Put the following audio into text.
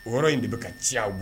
O yɔrɔ in de bɛ ka ci bɔ